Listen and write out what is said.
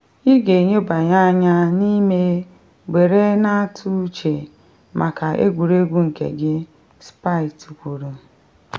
“Ị ga-enyobanye anya n’ime were na-atụ uche maka egwuregwu nke gị,” Spieth kwuru.